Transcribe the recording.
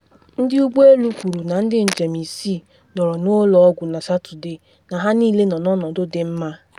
Ndị ụgbọ elu kwuru na ndị njem isii nọrọ n’ụlọ ọgwụ na Satọde, na ha niile nọ n’ọnọdụ dị mma.